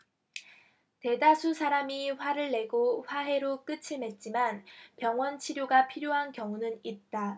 대다수 사람이 화를 내고 화해로 끝을 맺지만 병원 치료가 필요한 경우는 있다